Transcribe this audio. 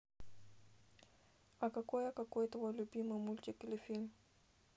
а какой а какой твой любимый мультик или фильм